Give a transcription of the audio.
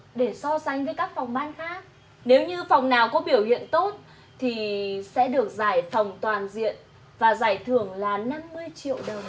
để so sánh với các phòng ban khác nếu như phòng nào có biểu hiện tốt thì sẽ được giải phòng toàn diện và giải thưởng là năm mươi triệu đồng